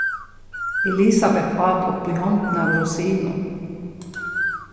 elisabet át upp í hondina av rosinum